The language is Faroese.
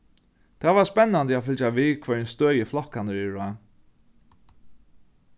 tað var spennandi at fylgja við hvørjum støði flokkarnir eru á